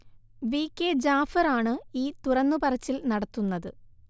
V K Jafar ആണ് ഈ തുറന്നു പറച്ചിൽ നടത്തുന്നത്